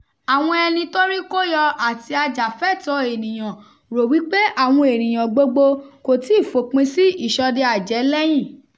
Àwọn ẹni-tórí-kó-yọ àti ajàfẹ́tọ̀ọ́-ènìyàn rò wípé àwọn ènìyàn gbogbo kò ti ìfòpin sí ìṣọdẹ-àjẹ́ lẹ́yìn.